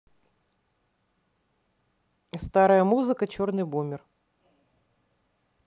старая музыка черный бумер